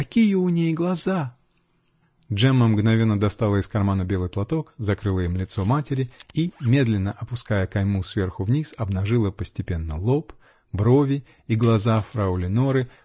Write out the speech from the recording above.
какие у ней глаза!" Джемма мгновенно достала из кармана белый платок, закрыла им лицо матери и, медленно опуская кайму сверху вниз, обнажила постепенно лоб, брови и глаза фрау Леноры